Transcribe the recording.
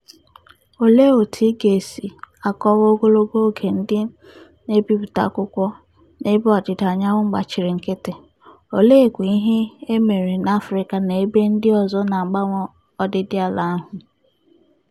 Olee otú ị ga-esi akọwa ogologo oge ndị na-ebipụta akwụkwọ n’Ebe Ọdịda Anyanwụ gbachiri nkịtị, oleekwa ihe e mere n’Africa na n’ebe ndị ọzọ na-agbanwe ọdịdị ala ahụ?